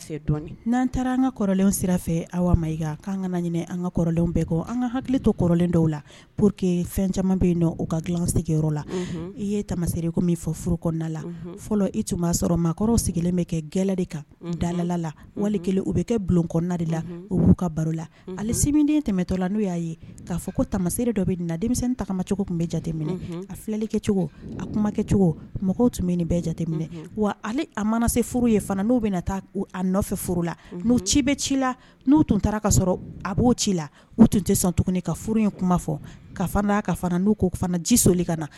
An ka hakili tolen dɔw la po que fɛn caman i tamare i sɔrɔ sigilen dalala bɛ kɛ bulon la o b'u baro la seden tɛmɛtɔ la n'o y'a ye'a fɔ ko tamasere dɔ bɛ na denmisɛn tamacogo tun bɛ jateminɛ a filɛlikɛcogo a kumakɛcogo mɔgɔw tun bɛ nin bɛɛ jateminɛ wa ale a mana se furu ye n'u bɛ taa nɔfɛ furu la' ci bɛ ci la tun taara ka sɔrɔ a b'o ci la u tun tɛ sɔn tuguni ka furu ye kuma fɔ ji soli ka na